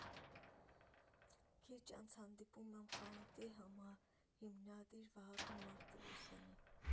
Քիչ անց հանդիպում եմ խանութի համահիմնադիր Վահագն Մարտիրոսյանին։